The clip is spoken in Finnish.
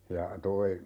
ja tuo